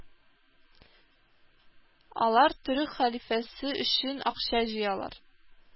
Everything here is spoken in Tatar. Алар төрек хәлифәсе өчен акча җыялар